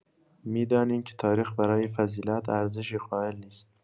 می‌دانیم که تاریخ برای فضیلت ارزشی قائل نیست.